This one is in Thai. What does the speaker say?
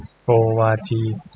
โกวาจี